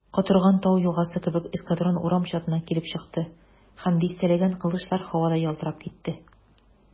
Котырган тау елгасы кебек эскадрон урам чатына килеп чыкты, һәм дистәләгән кылычлар һавада ялтырап китте.